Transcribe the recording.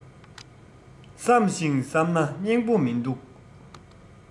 བསམ ཞིང བསམ ན སྙིང པོ མིན འདུག